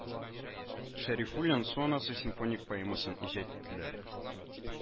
Шәрифуллин Су анасы симфоник поэмасын иҗат иттеләр